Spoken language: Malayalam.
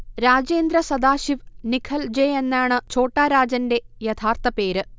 രാജേന്ദ്ര സദാശിവ് നിഖൽജെ യെന്നാണ് ഛോട്ടാ രാജന്റെ യഥാർത്ഥ പേര്